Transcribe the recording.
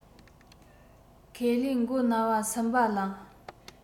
ཁས ལེན མགོ ན བ སྲུན པ ལ